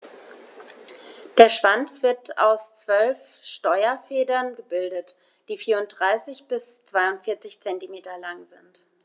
Der Schwanz wird aus 12 Steuerfedern gebildet, die 34 bis 42 cm lang sind.